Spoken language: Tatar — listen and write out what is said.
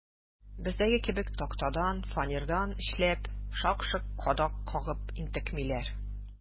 Бездәге кебек тактадан, фанерадан эшләп, шак-шок кадак кагып интекмиләр.